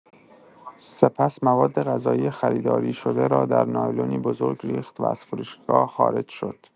سپس موادغذایی خریداری‌شده را در نایلونی بزرگ ریخت و از فروشگاه خارج شد.